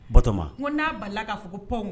Batoma ko n'a bala la k'a fɔ ko paul